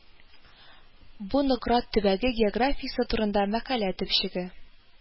Бу Нократ төбәге географиясе турында мәкалә төпчеге